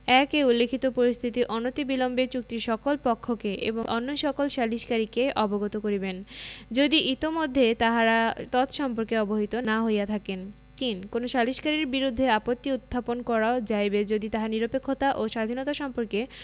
১ এ উল্লেখিত পরিস্থিতি অনতিবিলম্বে চুক্তির সকল পক্ষকে এবং অন্য সকল সালিসকারীকে অবগত করিবেন যদি ইতোমধ্যে তাহারা তৎসম্পর্কে অবহিত না হইয়া থাকেন ৩ কোন সালিসকারীর বিরুদ্ধে আপত্তি উত্থাপন করা যাইবে যদি তাহার নিরপেক্ষতা ও স্বাধীনতা সম্পর্কে